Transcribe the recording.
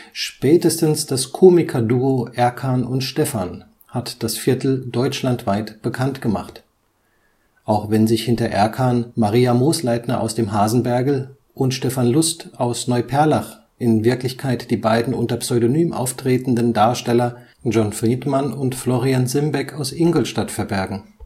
Spätestens das Komikerduo Erkan und Stefan hat das Viertel deutschlandweit bekannt gemacht (auch wenn sich hinter Erkan Maria Moosleitner aus dem Hasenbergl und Stefan Lust aus Neuperlach in Wirklichkeit die beiden unter Pseudonym auftretenden Darsteller John Friedmann und Florian Simbeck aus Ingolstadt verbergen